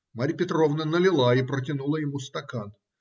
Марья Петровна налила и протянула ему стакан.